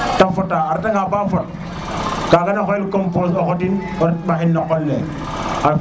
te fota reta nga ba fot kaga na xooyel compose o xotin con mbaxin no qole